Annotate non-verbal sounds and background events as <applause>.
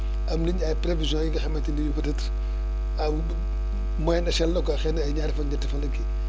am nañ ay prévisions yi nga xamante ni peut être à <hesitation> moindre échelle la quoi xëy na ay ñaari fan ñetti fan la kii